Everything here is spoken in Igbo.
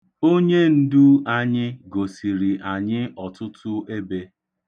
Onyendu anyị gosiri anyị ọtụtụ ebe.